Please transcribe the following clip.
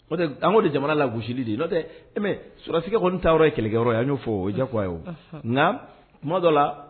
An de jamana la gosisili de yeo tɛ e surakasikɛ kɔni taa yɔrɔ ye kɛlɛkɛyɔrɔ yan y'o fɔ oo diya nka kuma dɔ la